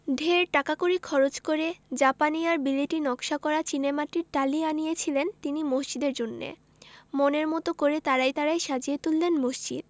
ঢের টাকাকড়ি খরচ করে জাপানি আর বিলেতী নকশা করা চীনেমাটির টালি আনিয়েছিলেন তিনি মসজিদের জন্যে মনের মতো করে তারায় তারায় সাজিয়ে তুললেন মসজিদ